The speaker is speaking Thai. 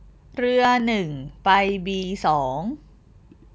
เรือหนึ่งไปบีสอง